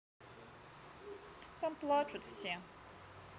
там плачут все